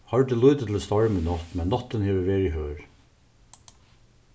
hoyrdi lítið til storm í nátt men náttin hevur verið hørð